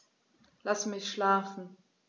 Lass mich schlafen